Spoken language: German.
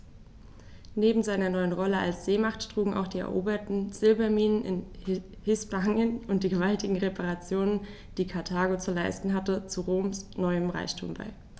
Neben seiner neuen Rolle als Seemacht trugen auch die eroberten Silberminen in Hispanien und die gewaltigen Reparationen, die Karthago zu leisten hatte, zu Roms neuem Reichtum bei.